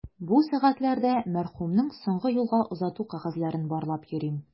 Бу сәгатьләрдә мәрхүмнең соңгы юлга озату кәгазьләрен барлап йөрим.